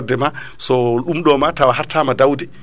ndeema so ɗumɗo ma tawa hattama dawde